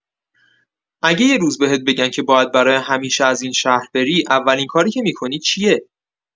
اگه یه روز بهت بگن که باید برای همیشه از این شهر بری، اولین کاری که می‌کنی چیه؟